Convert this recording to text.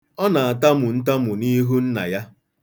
Ọ na-atamu ntamu n'ihu nna ya.